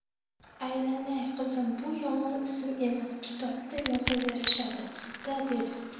aylanay qizim bu yomon ism emas kitobda yozaverishadi da dedi